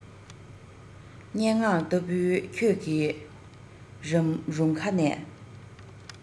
སྙན ངག ལྟ བུའི ཁྱོད ཀྱི རུམ ཁ ནས